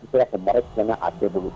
N sera ka baara tiɲɛna a bɛ bolo